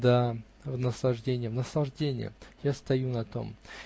Да, в наслаждение, в наслаждение! Я стою на том.